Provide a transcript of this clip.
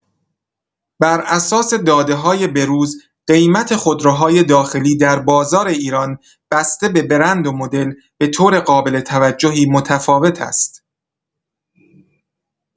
بر اساس داده‌های به‌روز، قیمت خودروهای داخلی در بازار ایران بسته به برند و مدل، به‌طور قابل توجهی متفاوت است.